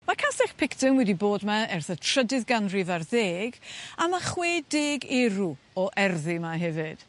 Mae castell picton wedi bod 'ma ers y trydydd ganrif ar ddeg a ma' chwe deg erw o erddi 'ma hefyd.